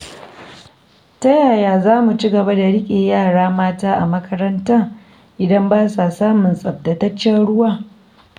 Ta yaya za mu ci gaba da riƙe yara mata a makaranta idan ba sa samun tsabtataccen ruwa?